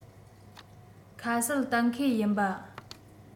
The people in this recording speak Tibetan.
ཁ གསལ གཏན འཁེལ ཡིན པ